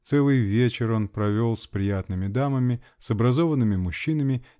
Целый вечер он провел с приятными дамами, с образованными мужчинами